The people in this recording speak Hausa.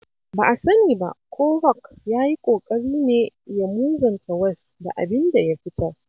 Ba a sani ba ko Rock ya yi ƙoƙari ne ya muzanta West da abin da ya fitar.